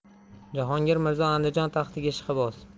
jahongir mirzo andijon taxtiga ishqiboz